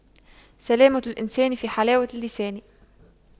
سلامة الإنسان في حلاوة اللسان